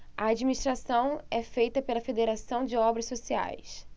a administração é feita pela fos federação de obras sociais